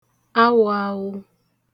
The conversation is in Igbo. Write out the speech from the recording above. awụ̄āwụ̄